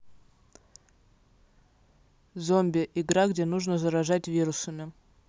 zombie игра где нужно заражать вирусами